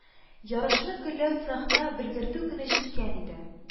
Ярышны көлләү цехына белгертү көне җиткән иде